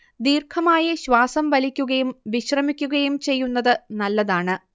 ദീർഘമായി ശ്വാസം വലിക്കുകയും വിശ്രമിക്കുകയും ചെയ്യുന്നത് നല്ലതാണ്